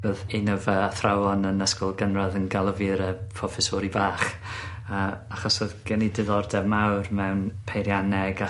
Odd un o fy athrawon yn ysgol gynradd yn galw fi'r yy proffesori bach a achos odd gen i diddordeb mawr mewn peirianneg a